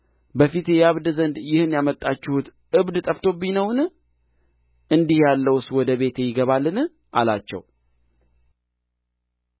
በፊቴ ያብድ ዘንድ ይህን ያመጣችሁት እብድ ጠፍቶብኝ ነውን እንዲህ ያለውስ ወደ ቤቴ ይገባልን አላቸው